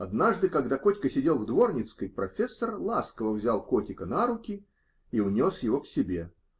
Однажды, когда Котька сидел в дворницкой, "профессор" ласково взял котика на руки и унес его к себе.